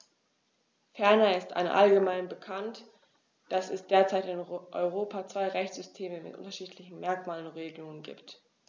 Ferner ist allgemein bekannt, dass es derzeit in Europa zwei Rechtssysteme mit unterschiedlichen Merkmalen und Regelungen gibt.